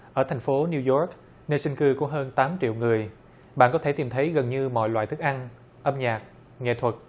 ở thành phố niu oóc nơi sinh cư của hơn tám triệu người bạn có thể tìm thấy gần như mọi loại thức ăn âm nhạc nghệ thuật